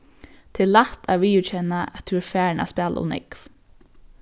tað er lætt at viðurkenna at tú ert farin at spæla ov nógv